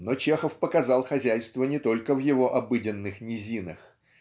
Но Чехов показал хозяйство не только в его обыденных низинах